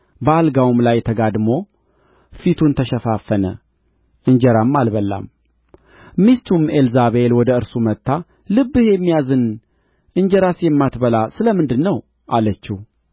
በአልጋውም ላይ ተጋድሞ ፊቱን ተሸፋፈነ እንጀራም አልበላም ሚስቱም ኤልዛቤል ወደ እርሱ መጥታ ልብህ የሚያዝን እንጀራስ የማትበላ ስለምንድር ነው አለችው